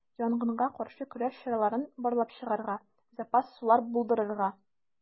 Янгынга каршы көрәш чараларын барлап чыгарга, запас сулар булдырырга.